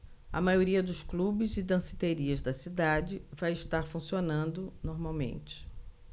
a maioria dos clubes e danceterias da cidade vai estar funcionando normalmente